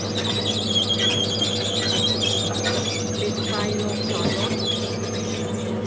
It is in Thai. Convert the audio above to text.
ปิดไฟโรงจอดรถ